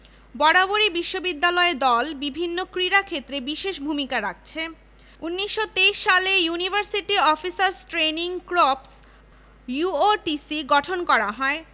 প্রথম থেকেই ছাত্রদের দৈহিক ও মানসিক গঠনের লক্ষ্যে জিমনাস্টিকস ও খেলাধুলার ব্যবস্থা রাখা হয়েছে এবং সকল সুস্থদেহী ছাত্র ছাত্রীর জন্য খেলাধুলা ও ব্যায়াম বাধ্যতামূলক করা হয়েছে